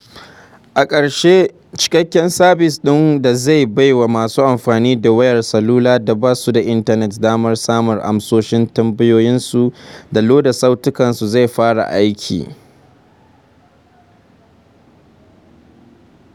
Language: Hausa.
A ƙarshe, cikakken sabis ɗin da zai baiwa masu amfani da wayar salula da ba su da intanet damar samun amsoshin tambayoyinsu da loda sautukansu zai fara aiki.